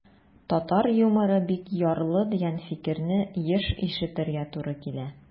Татар юморы бик ярлы, дигән фикерне еш ишетергә туры килә.